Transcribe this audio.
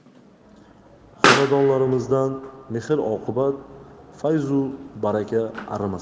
xonadonlarimizdan mehr oqibat fayzu baraka arimasin